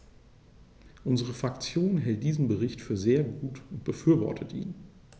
Unsere Fraktion hält diesen Bericht für sehr gut und befürwortet ihn.